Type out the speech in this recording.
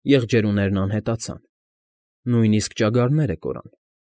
Եղջերուներն անհետացան, նույնիսկ ճագարները կորան։